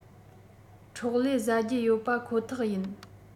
ཁྲོག ལེ ཟ རྒྱུ ཡོད པ ཁོ ཐག ཡིན